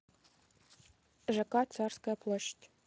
жк царская площадь